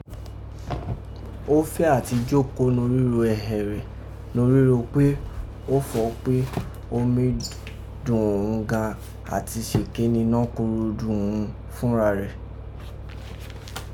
Ó fẹ́ áti jókòó norígho ẹhẹ̀ rẹ̀ norígho pé ó fọ pé ó mi dọ̀n ọ́n gan an àti sèké nínọ́ kurudu ghun fúnra rẹ̀.